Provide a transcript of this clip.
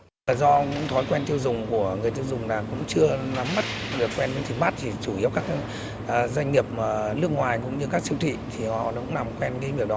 do những thói quen tiêu dùng của người tiêu dùng là cũng chưa nắm bắt được quen với thịt mát chỉ chủ yếu các doanh nghiệp mà nước ngoài cũng như các siêu thị thì họ đã làm quen với việc đó